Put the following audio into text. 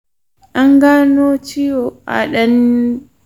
an gano ciwon a dan ne bayan bayyanar alamomi ko kuma yayin gwajin lafiya na yau da kullum?